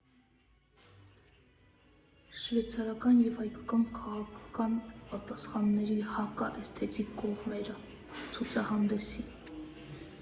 Շվեյցարական և հայկական քաղաքական պաստառների (հակա)էսթետիկ կողմերը» ցուցահանդեսի։